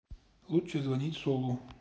лучше звонить солу